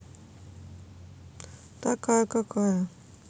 такая какая